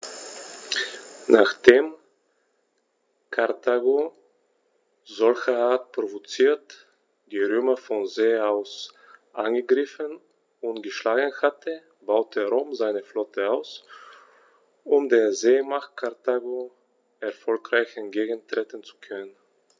Nachdem Karthago, solcherart provoziert, die Römer von See aus angegriffen und geschlagen hatte, baute Rom seine Flotte aus, um der Seemacht Karthago erfolgreich entgegentreten zu können.